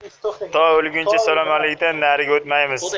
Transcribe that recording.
to o'lguncha salom alikdan nariga o'tmaymiz